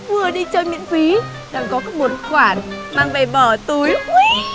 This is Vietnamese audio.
vừa đi chơi miễn phí lại có một khoản mang về bỏ túi ui